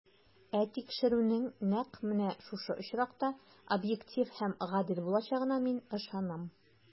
Ә тикшерүнең нәкъ менә шушы очракта объектив һәм гадел булачагына мин ышанам.